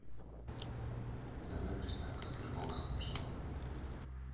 тв приставка sberbox что там